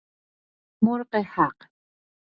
مرغ‌حق